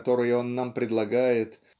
которые он нам предлагает